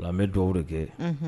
Nka an bɛ dugawu de kɛ